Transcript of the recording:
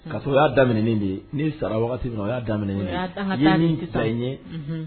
Ka sɔrɔ o y'a daminɛ de ye ni sara o y'a daminɛ naaniani tɛ ye ɲɛ